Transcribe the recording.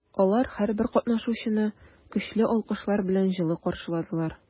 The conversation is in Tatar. Алар һәрбер катнашучыны көчле алкышлар белән җылы каршыладылар.